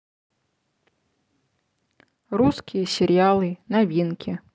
русские сериалы новинки